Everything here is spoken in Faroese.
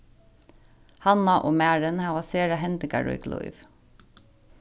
hanna og marin hava sera hendingarík lív